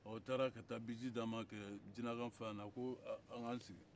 o taara ka taara nɛgɛn ka jinɛkan f'a ye ko an k'an sigi